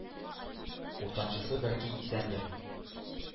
Уртанчысы, бәлки, исәндер,